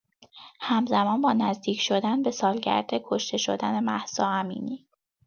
هم‌زمان با نزدیک‌شدن به سالگرد کشته شدن مهسا امینی